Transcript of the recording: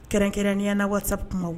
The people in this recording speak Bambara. Kɛrɛnkɛrɛn ni ɲɛnaana wasa